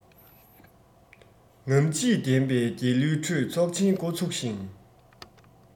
རྔམ བརྗིད ལྡན པའི རྒྱལ གླུའི ཁྲོད ཚོགས ཆེན འགོ ཚུགས ཤིང